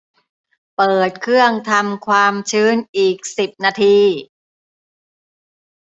เปิดเครื่องทำความชื้นอีกสิบนาที